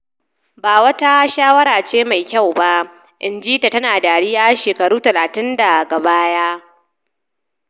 "Ba wata shawara ce mai kyau ba," in ji ta tana dariya shekaru 30 daga baya.